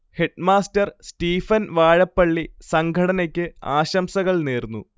headmaster Stephen Vazhappally സംഘടനയ്ക്ക് ആശംസകൾ നേർന്നു